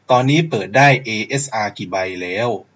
ตอนนี้เปิดได้เอเอสอากี่ใบแล้ว